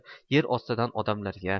yer ostidan odamlarga